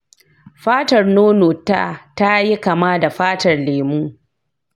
fatar nono ta tayi kama da fatar lemu.